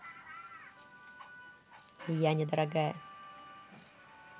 я не дорогая